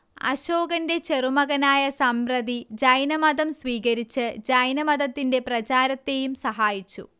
അശോകന്റെ ചെറുമകനായ സമ്പ്രതി ജൈനമതം സ്വീകരിച്ച് ജൈനമതത്തിന്റെ പ്രചാരത്തേയും സഹായിച്ചു